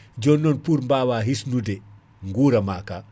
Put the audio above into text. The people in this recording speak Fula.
jonon pour mbawa hisnude guurama ka